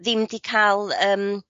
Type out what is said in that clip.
ddim 'di ca'l yym